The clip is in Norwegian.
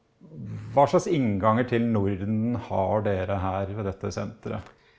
hva slags innganger til Norden har dere her ved dette senteret?